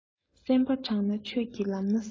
སེམས པ དྲང ན ཆོས ཀྱི ལམ སྣ ཟིན